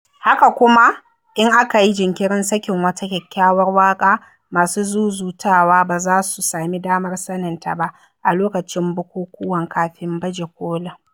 Haka kuma, in aka yi jinkirin sakin wata kyakkyawar waƙa, masu zuzutawa ba za su sami damar sanin ta ba, a lokacin bukukuwan kafin baje-kolin.